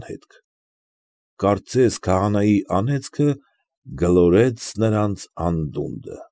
Անհետք։ Կարծես քահանայի անեծքը գցեց նրանց անդունդը։